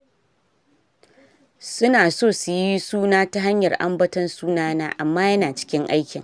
Su na so su yi suna ta hanyar ambaton suna na, amma yana cikin aikin.